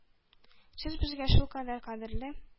Сез безгә шулкадәр кадерле,